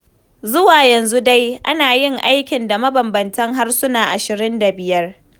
Zuwa yanzu dai ana yin aikin da mabambanta harsuna 25.